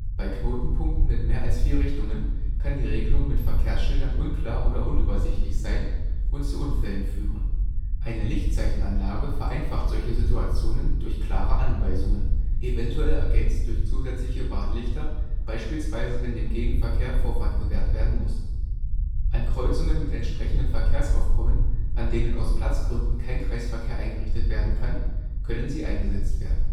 Bei Knotenpunkten mit mehr als vier Richtungen kann die Regelung mit Verkehrsschildern unklar oder unübersichtlich sein und zu Unfällen führen. Eine Lichtzeichenanlage vereinfacht solche Situationen durch klare Anweisungen, evtl. ergänzt durch zusätzliche Warnlichter, beispielsweise wenn dem Gegenverkehr Vorfahrt gewährt werden muss. An Kreuzungen mit entsprechenden Verkehrsaufkommen, an denen aus Platzgründen kein Kreisverkehr eingerichtet werden kann, können sie eingesetzt werden